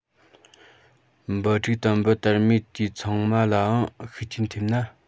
འབུ ཕྲུག དང འབུ དར མའི དུས ཚང མ ལའང ཤུགས རྐྱེན ཐེབས ན